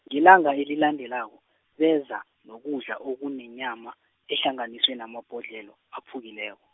ngelanga elilandelako, beza nokudla okunenyama, ehlanganiswe namabhodlelo, aphukileko.